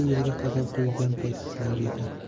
yilga qadam qo'ygan paytlar edi